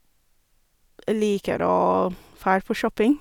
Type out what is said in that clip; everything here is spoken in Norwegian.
Liker å fær på shopping.